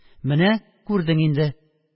Менә күрдең инде